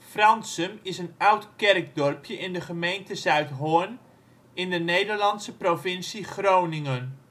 Fransum is een oud kerkdorpje in de gemeente Zuidhorn in de Nederlandse provincie Groningen